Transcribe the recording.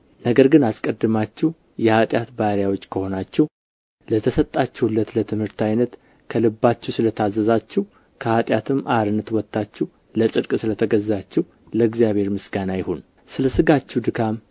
ነገር ግን አስቀድማችሁ የኃጢአት ባሪያዎች ከሆናችሁ ለተሰጣችሁለት ለትምህርት ዓይነት ከልባችሁ ስለ ታዘዛችሁ ከኃጢአትም አርነት ወጥታችሁ ለጽድቅ ስለ ተገዛችሁ ለእግዚአብሔር ምስጋና ይሁን ስለ ሥጋችሁ ድካም